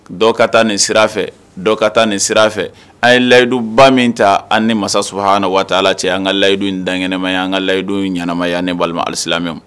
Dɔ ka taa nin sira fɛ , dɔ ka taa nin sira fɛ. An ye layidu ba min ta an ni masa subahana watala cɛ , an ka layidu in dan ɲɛnama ya. An ka layidu ɲɛnamaya ne balima ali silamɛw.